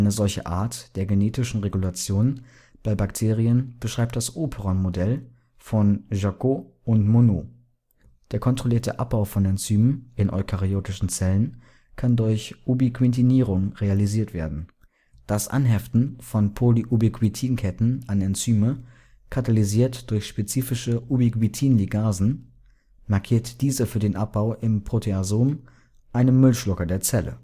solche Art der genetischen Regulation bei Bakterien beschreibt das Operon-Modell von Jacob und Monod. Der kontrollierte Abbau von Enzymen in eukaryotischen Zellen kann durch Ubiquitinierung realisiert werden. Das Anheften von Polyubiquitin-Ketten an Enzyme, katalysiert durch spezifische Ubiquitin-Ligasen, markiert diese für den Abbau im Proteasom, einem „ Müllschlucker “der Zelle